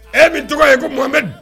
Ɛ min tɔgɔ ye kome